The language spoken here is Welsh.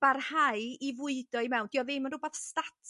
barhau i fwydo i mewn dio ddim yn rwbath static